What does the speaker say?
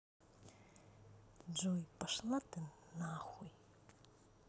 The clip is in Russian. джой пошла ты нахуй